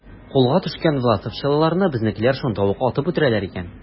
Кулга төшкән власовчыларны безнекеләр шунда ук атып үтерәләр икән.